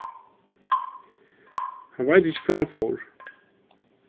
hann veit ikki hvar hon fór